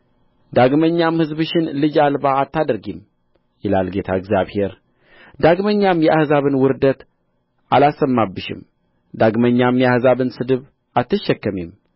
ዳግመኛም ሕዝብሽን ልጅ አልባ አታደርጊም ይላል ጌታ እግዚአብሔር ዳግመኛም የአሕዛብን ውርደት አላሰማብሽም ዳግመኛም የአሕዛብን ስድብ አትሸከሚም